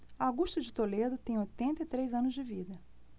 augusto de toledo tem oitenta e três anos de vida